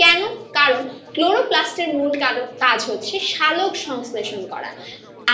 কেন কারণ ক্লোরোপ্লাস্ট এর মূল কাজ হচ্ছে সালোকসংশ্লেষণ করা